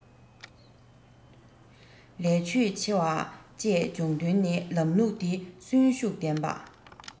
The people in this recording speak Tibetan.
ལས ཕྱོད ཆེ བ བཅས བྱུང དོན ནི ལམ ལུགས དེ གསོན ཤུགས ལྡན པ